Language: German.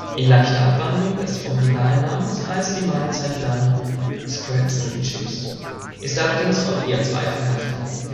in leichter Abwandlung des Originalnamens heißt die Mahlzeit dann Scraps’ n’ Chips, ist allerdings von eher zweifelhaftem Ruf